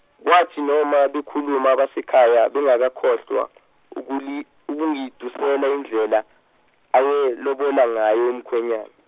kwathi noma bhekhuluma abasekhaya abengaka khohlwa, ukunli- ukungitusela indlela, ayelobola ngayo umkhwenyana.